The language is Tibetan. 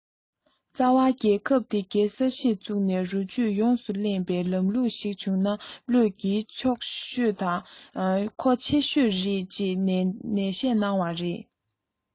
རྩ བ རྒྱལ ཁབ དེ གའི ས གཞིར ཚུགས ནས རོ བཅུད ཡོངས སུ ལེན པའི ལམ ལུགས ཤིག བྱུང ན བློས འགེལ ཆོག ཤོས དང མཁོ ཆེ ཤོས རེད ཅེས ནན བཤད གནང བ རེད